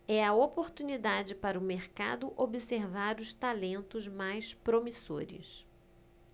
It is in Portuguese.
é a oportunidade para o mercado observar os talentos mais promissores